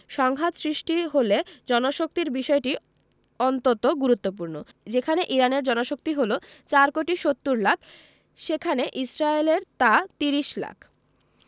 সংঘাত সৃষ্টি হলে জনশক্তির বিষয়টি অন্তত গুরুত্বপূর্ণ যেখানে ইরানের জনশক্তি হলো ৪ কোটি ৭০ লাখ সেখানে ইসরায়েলের তা ৩০ লাখ